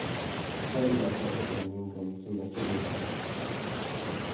serliga hjá útlendingum sum ikki vita betur